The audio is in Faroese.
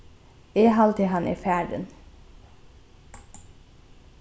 eg haldi hann er farin